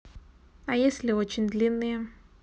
а если очень длинные